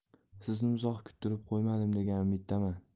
sizni uzoq kuttirib qo'ymadim degan umiddaman